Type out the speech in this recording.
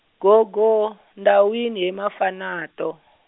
go go ndzawini he Mafanato.